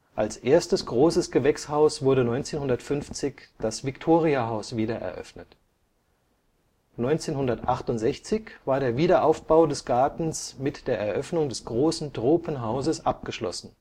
Als erstes großes Gewächshaus wurde 1950 das Victoriahaus wiedereröffnet. 1968 war der Wiederaufbau des Gartens mit der Eröffnung des Großen Tropenhauses abgeschlossen